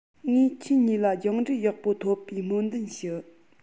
ངས ཁྱེད གཉིས ལ སྦྱངས འབྲས ཡག པོ ཐོབ པའི སྨོན འདུན ཞུ